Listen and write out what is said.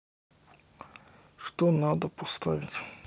что надо поставить